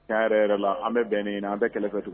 Tiyɛn yɛrɛ yɛrɛ la an bɛ bɛn ni nan an tɛ kɛlɛ fɛ tugun